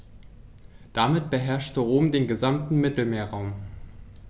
Damit beherrschte Rom den gesamten Mittelmeerraum.